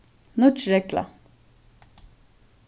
nýggj regla